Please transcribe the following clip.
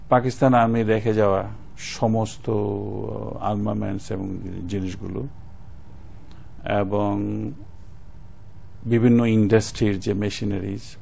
পাকিস্তান আর্মির রেখে যাওয়া সমস্ত আর্মামেন্টস এবং জিনিসগুলো এবং বিভিন্ন ইন্ডাস্ট্রির যে মেশিনারিজ